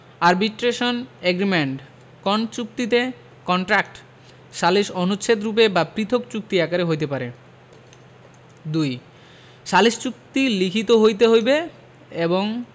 arbitration agreement কোন চুক্তিতে contract সালিস অনুচ্ছেদরূপে বা পৃথক চুক্তি আকারে হইতে পারে ২ সালিস চুক্তি লিখিত হইতে হইবে এবং